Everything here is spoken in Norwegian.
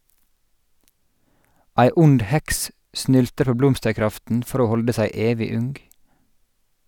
Ei ond heks snylter på blomsterkraften for å holde seg evig ung.